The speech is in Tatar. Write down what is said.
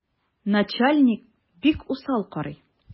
Начальник бик усал карый.